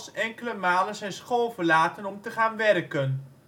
enkele malen zijn school verlaten om te gaan werken. Zo